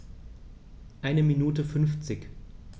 Eine Minute 50